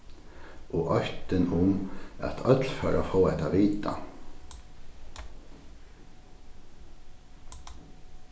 og óttin um at øll fóru at fáa hetta at vita